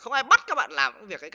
không ai bắt các bạn làm những việc ấy